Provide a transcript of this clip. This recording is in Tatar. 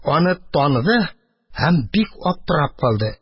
Аны таныды һәм бик аптырап калды